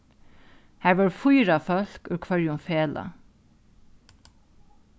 har vóru fýra fólk úr hvørjum felag